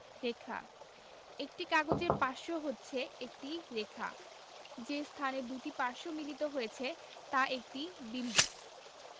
রেখাঃ একটি কাগজের পার্শ্ব হচ্ছে একটি রেখা যে স্থানে দুইটি পার্শ্ব মিলিত হয়েছে তা একটি বিন্দু